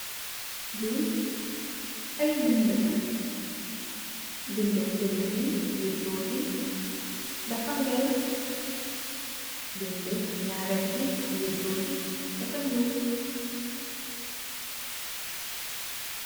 Li ay bindi la, bindi bu njak bi wirgo bi dafa ngel bindi ñaari bi wirgo bi dafa ñuul.